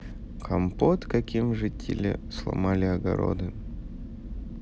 компот каким жители сломали огороды